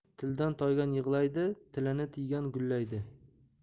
tildan toygan yig'laydi tilini tiygan gullaydi